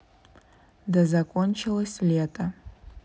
да закончилось лето